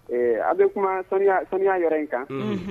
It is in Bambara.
A bɛ kuma saniya yɛrɛ in kan